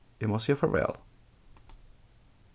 eg má siga farvæl